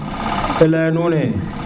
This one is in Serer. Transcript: i leya nuun ne